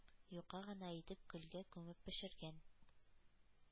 Юка гына итеп көлгә күмеп пешергән